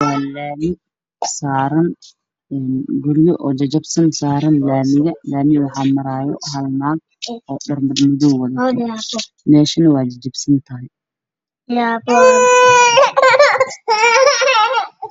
Meeshaan waxaa ku yaalla guryo dudinsan oo duqoobey iyo laami madow waxaa maraayo qof ka bada n dhar madow wata